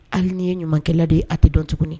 Hali nin ye ɲumankɛla de ye a tɛ dɔn tuguni